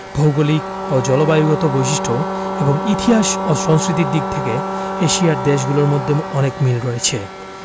ভৌগলিক ও জলবায়ুগত বৈশিষ্ট্য এবং ইতিহাস ও সংস্কৃতির দিক থেকে এশিয়ার দেশগুলোর মধ্যে অনেক মিল রয়েছে